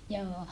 joo